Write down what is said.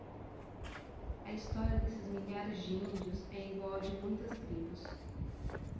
a história desses milhares de índios é igual à de muitas tribos